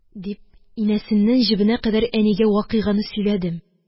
Дип, инәсеннән җебенә кадәр әнигә вакыйганы сөйләдем.